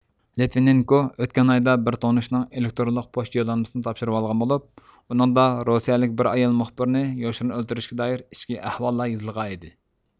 لىتۋىنېنكو ئۆتكەن ئايدا بىر تونۇشىنىڭ ئېلېكترونلۇق پوچتا يوللانمىسىنى تاپشۇرۇۋالغان بولۇپ ئۇنىڭدا رۇسىيىلىك بىر ئايال مۇخبىرنى يوشۇرۇن ئۆلتۈرۈشكە دائىر ئىچكى ئەھۋاللار يېزىلغان ئىدى